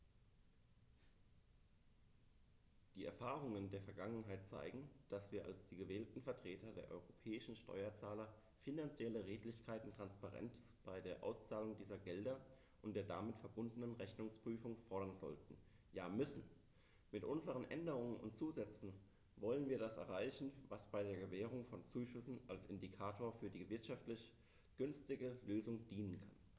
Die Erfahrungen der Vergangenheit zeigen, dass wir als die gewählten Vertreter der europäischen Steuerzahler finanzielle Redlichkeit und Transparenz bei der Auszahlung dieser Gelder und der damit verbundenen Rechnungsprüfung fordern sollten, ja müssen. Mit unseren Änderungen und Zusätzen wollen wir das erreichen, was bei der Gewährung von Zuschüssen als Indikator für die wirtschaftlich günstigste Lösung dienen kann.